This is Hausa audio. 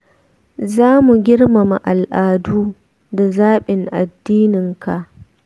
zamu girmama al'adu da zabin addinai ka.